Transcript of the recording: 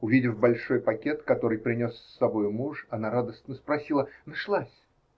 Увидев большой пакет, который принес с собою муж, она радостно спросила: -- Нашлась?